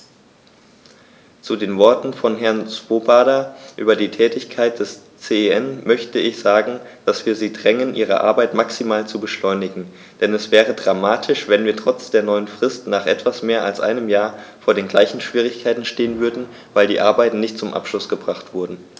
Zu den Worten von Herrn Swoboda über die Tätigkeit des CEN möchte ich sagen, dass wir sie drängen, ihre Arbeit maximal zu beschleunigen, denn es wäre dramatisch, wenn wir trotz der neuen Frist nach etwas mehr als einem Jahr vor den gleichen Schwierigkeiten stehen würden, weil die Arbeiten nicht zum Abschluss gebracht wurden.